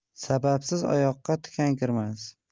sababsiz oyoqqa tikan kirmas